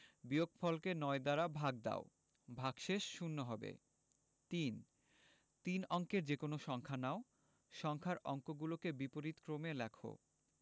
বিয়োগফলকে ৯ দ্বারা ভাগ দাও ভাগশেষ শূন্য হবে ৩ তিন অঙ্কের যেকোনো সংখ্যা নাও সংখ্যার অঙ্কগুলোকে বিপরীতক্রমে লিখ